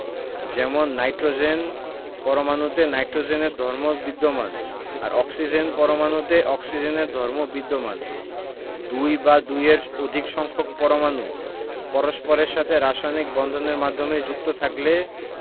যেমন নাইট্রোজেনের পরমাণুতে নাইট্রোজেনের ধর্ম বিদ্যমান আর অক্সিজেনের পরমাণুতে অক্সিজেনের ধর্ম বিদ্যমান দুই বা দুইয়ের অধিক সংখ্যক পরমাণু পরস্পরের সাথে রাসায়নিক বন্ধন এর মাধ্যমে যুক্ত থাকলে